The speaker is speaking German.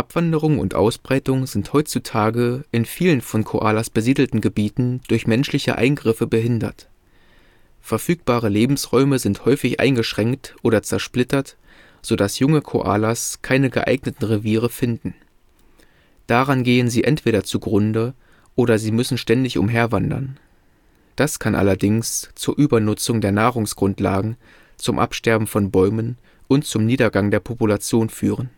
Abwanderung und Ausbreitung sind heutzutage in vielen von Koalas besiedelten Gebieten durch menschliche Eingriffe behindert. Verfügbare Lebensräume sind häufig eingeschränkt oder zersplittert, so dass junge Koalas keine geeigneten Reviere finden. Daran gehen sie entweder zugrunde oder sie müssen ständig umherwandern. Das kann allerdings zur Übernutzung der Nahrungsgrundlagen, zum Absterben von Bäumen und zum Niedergang der Population führen